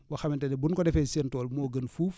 boo xamante ni bu nu ko defee seen tool moo gën fuuf